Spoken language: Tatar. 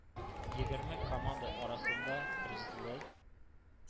Егерме команда арасында призлы